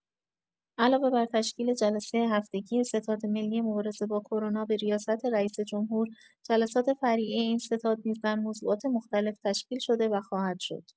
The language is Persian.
علاوه بر تشکیل جلسه هفتگی ستاد ملی مبارزه با کرونا به ریاست رئیس‌جمهور، جلسات فرعی این ستاد نیز در موضوعات مختلف تشکیل‌شده و خواهد شد.